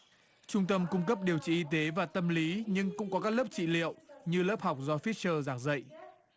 trung tâm cung cấp điều trị y tế và tâm lý nhưng cũng có các lớp trị liệu như lớp học do phít sờ giảng dạy